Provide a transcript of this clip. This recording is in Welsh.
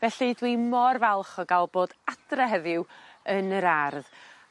Felly dwi mor falch o ga'l bod adre heddiw yn yr ardd.